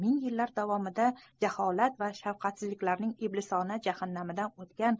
ming yillar davomida jaholat va shafqatsizliklarning iblisona jahannamidan o'tgan